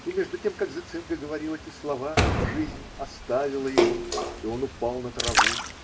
И между тем как Зецинго говорил эти слова, жизнь оставила его, и он упал на траву.